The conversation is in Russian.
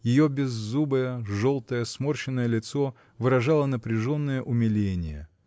ее беззубое, желтое, сморщенное лицо выражало напряженное умиление